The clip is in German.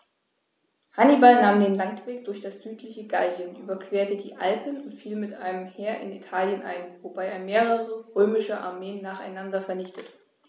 Hannibal nahm den Landweg durch das südliche Gallien, überquerte die Alpen und fiel mit einem Heer in Italien ein, wobei er mehrere römische Armeen nacheinander vernichtete.